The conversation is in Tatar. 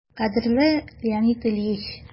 «кадерле леонид ильич!»